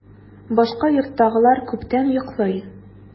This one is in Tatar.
Башка йорттагылар күптән йоклый.